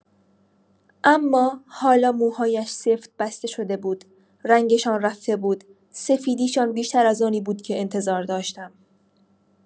اما حالا موهایش سفت بسته شده بود، رنگشان رفته بود، سفیدی‌شان بیشتر از آنی بود که انتظار داشتم.